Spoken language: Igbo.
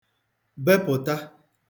bepụ̀ta